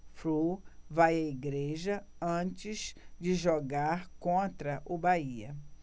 flu vai à igreja antes de jogar contra o bahia